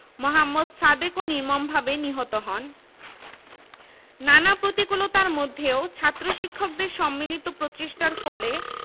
এ প্রতিষ্ঠানের শিক্ষা ও প্রশাসনিক ব্যবস্থা ১৯৭১ সালের মুক্তিযুদ্ধকালে অভাবনীয়রূপে ক্ষতিগ্রস্ত হয় তখন বেশ কিছু স্বনামধন্য শিক্ষক